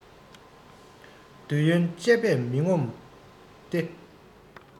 འདོད ཡོན སྤྱད པས མི ངོམས ཏེ